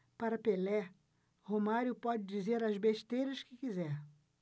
para pelé romário pode dizer as besteiras que quiser